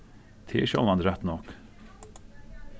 tað er sjálvandi rætt nokk